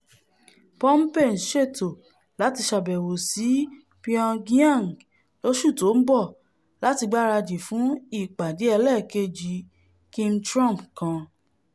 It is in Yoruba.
Pompeo ńṣètò láti ṣàbẹ̀wò sí Pyongyang lóṣù tó ń bọ láti gbaradì fún ìpàdé ẹlẹ́ẹ̀kejì Kim-Trump kan.